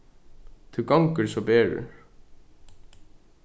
tú gongur so berur